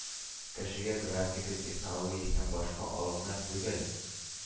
Кешегә графика, технология һәм башка алымнар түгел,